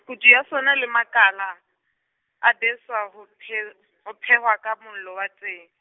Kutu ya sona le makala, a a beswa ho phel-, ho phehwa ka mollo wa teng.